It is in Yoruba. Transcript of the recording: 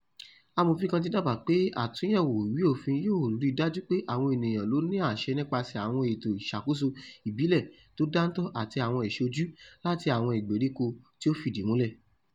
Amòfin kan ti dábàá pé àtúnyẹ̀wò ìwé òfin yóò ri dájú pé àwọn ènìyan ló ní àṣẹ nípasẹ̀ àwọn ètò ìṣakoso ìbílẹ̀ tó dáńtọ́ àti àwọn ìṣojú láti àwọn ìgberíko tí ó fìdí múlẹ̀.